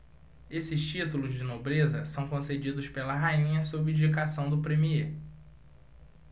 esses títulos de nobreza são concedidos pela rainha sob indicação do premiê